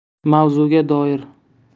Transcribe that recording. mavzuga doir